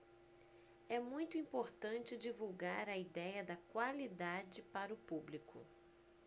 é muito importante divulgar a idéia da qualidade para o público